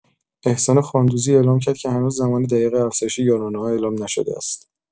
احسان خاندوزی اعلام کرده که هنوز زمان دقیق افزایش یارانه‌ها اعلام نشده است.